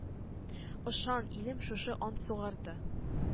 Ышан, илем, шушы ант сугарды